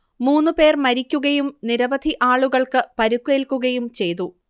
മൂന്നുപേർ മരിക്കുകയും നിരവധി ആളുകൾക്ക് പരുക്കേൽക്കുയും ചെയ്തു